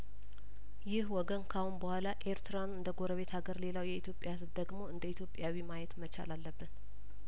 ይህ ወገን ከአሁን በኋላ ኤርትራን እንደጐረቤት አገር ሌላውን የኢትዮጵያ ህዝብ ደግሞ እንደኢትዮጵያዊ ማየት መቻል አለብን